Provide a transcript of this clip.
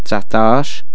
تسعطاش